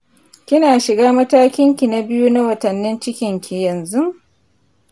kina shiga mataki na biyu na watannin cikin ki yanzu.